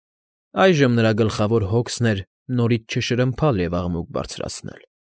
Այժմ նրա գլխավոր հոգսն էր նորից չշրմփալ և աղմուկ չբարձրացնել։